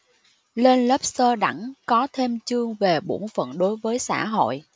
lên lớp sơ đẳng có thêm chương về bổn phận đối với xã hội